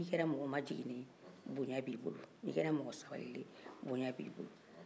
i kɛrɛ mɔgɔ bonya b'i bolo i kɛrɛ sabalilen ye bonya b'i bolo